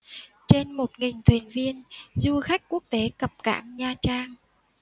trên một nghìn thuyền viên du khách quốc tế cập cảng nha trang